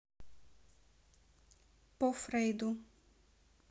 по фрейду